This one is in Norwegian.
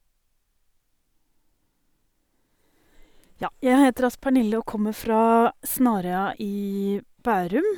Ja, jeg heter altså Pernille og kommer fra Snarøya i Bærum.